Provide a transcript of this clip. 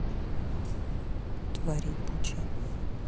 твари ебучие